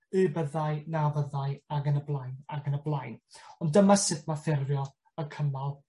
Y byddai na fyddai ag yn y blaen ag yn y blaen. Ond dyma sut ma' ffurfio y cymal